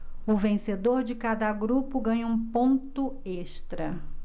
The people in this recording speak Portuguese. o vencedor de cada grupo ganha um ponto extra